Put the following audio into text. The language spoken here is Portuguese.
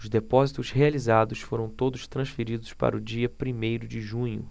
os depósitos realizados foram todos transferidos para o dia primeiro de junho